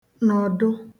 nọ̀dụ